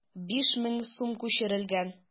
5000 сум күчерелгән.